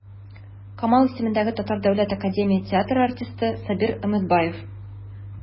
Камал исемендәге Татар дәүләт академия театры артисты Сабир Өметбаев.